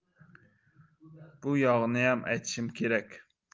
bu yog'iniyam aytishim kerak